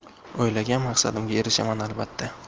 o'ylagan maqsadimga erishaman albatta